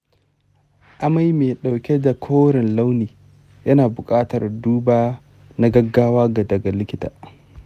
amai mai ɗauke da koren launi yana buƙatar duba na gaggawa daga likita